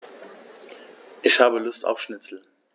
Ich habe Lust auf Schnitzel.